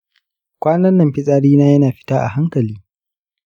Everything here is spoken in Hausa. kwanannan fitsari na yana fita a hankali.